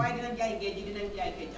waaye dinañ jaay geji dinañ jaay kecax